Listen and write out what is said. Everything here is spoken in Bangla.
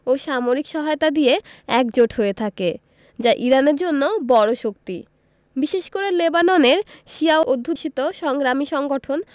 ও সামরিক সহায়তা দিয়ে একজোট হয়ে থাকে যা ইরানের জন্য বড় শক্তি বিশেষ করে লেবাননের শিয়া অধ্যুষিত সংগ্রামী সংগঠন